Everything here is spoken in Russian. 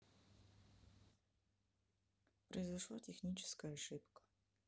произошла техническая ошибка